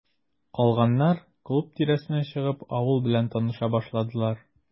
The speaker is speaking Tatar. Калганнар, клуб тирәсенә чыгып, авыл белән таныша башладылар.